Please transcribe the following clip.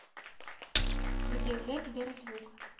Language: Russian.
где взять сберзвук